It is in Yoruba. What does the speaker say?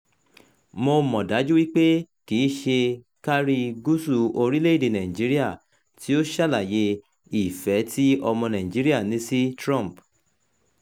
Mo mọ̀ dájú wípé kì í ṣe káríi gúúsù orílẹ̀-èdèe Nàìjíríà, tí ó ṣàlàyé ìfẹ́ tí ọmọ Nàìjíríà ní sí Trump.